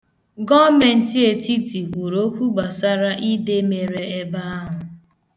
Gọọmentị etiti kwuru okwu gbasara ide mere ebe ahụ.